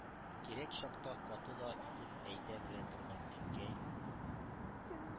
Кирәк чакта каты да итеп әйтә белә торган Әнкәй